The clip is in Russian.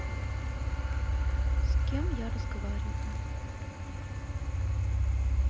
с кем я разговариваю